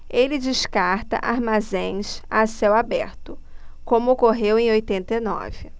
ele descarta armazéns a céu aberto como ocorreu em oitenta e nove